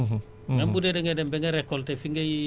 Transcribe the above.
parce que loolu même bu assurer woon day yàqu rekk